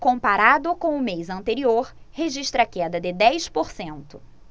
comparado com o mês anterior registra queda de dez por cento